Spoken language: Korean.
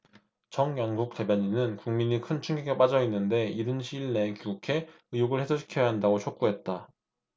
정연국 대변인은 국민이 큰 충격에 빠져 있는데 이른 시일 내에 귀국해 의혹을 해소시켜야 한다고 촉구했다